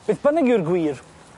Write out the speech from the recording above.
Beth bynnag yw'r gwir,